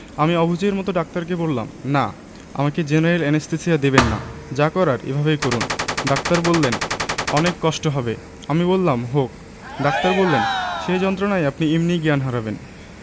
আমি অবুঝের মতো ডাক্তারকে বললাম না আমাকে জেনারেল অ্যানেসথেসিয়া দেবেন না যা করার এভাবেই করুন ডাক্তার বললেন অনেক কষ্ট হবে আমি বললাম হোক ডাক্তার বললেন সেই যন্ত্রণায় আপনি এমনি জ্ঞান হারাবেন